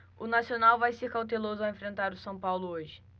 o nacional vai ser cauteloso ao enfrentar o são paulo hoje